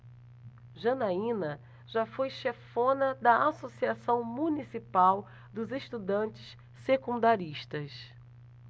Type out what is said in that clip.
janaina foi chefona da ames associação municipal dos estudantes secundaristas